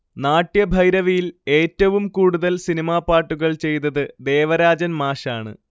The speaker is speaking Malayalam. നാട്യഭൈരവിയിൽ ഏറ്റവും കൂടുതൽ സിനിമാ പാട്ടുകൾ ചെയ്തത് ദേവരാജൻ മാഷാണ്